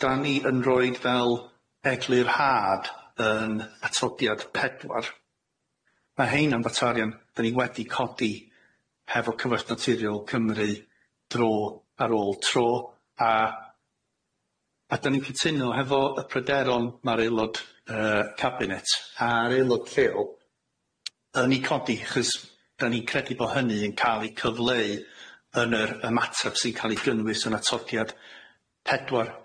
'dan ni yn roid fel egurhad yn atodiad pedwar ma' heina'n faterion 'dan ni wedi codi hefo Cyfoeth Naturiol Cymru dro ar ôl tro a a 'dan ni'n cytuno hefo y pryderon ma'r aelod yy cabinet a'r aelod lleol yn 'i codi achos 'dan ni'n credu bo' hynny yn ca'l 'i cyfleu yn yr ymateb sy'n ca'l ei gynnwys yn atodiad pedwar.